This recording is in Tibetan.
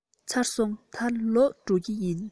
ཚར སོང ད ལོག འགྲོ མཁན ཡིན